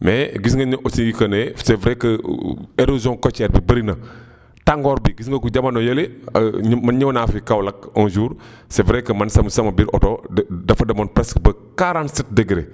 mais gis nañu ne aussi que ne c' est vrai que érosion coitière bi bëri na tàngoor bi gis nga ko jamono yële man ñëw naa fi Kaolack un jour c' est vrai que man sa ma sa ma biir oto da dafa demoon presque ba quarante sept degré